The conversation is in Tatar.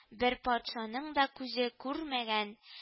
Бер патшаның да күзе күрмәгән